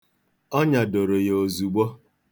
Ọ nyadoro ya ozugbo